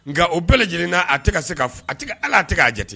Nka o bɛɛ lajɛlenna a tɛ ka se ka ala tɛ k'a jate